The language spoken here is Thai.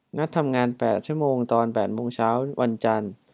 นัดทำงานแปดชั่วโมงตอนแปดโมงเช้าวันจันทร์